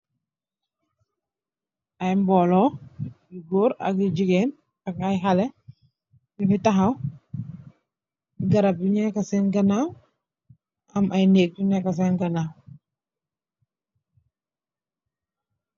Ay mbolo yu goor ak yu jigeen ak ay xale nyugi taxaw garabi neka sen ganaw am ay neeg yu neka sen ganaw.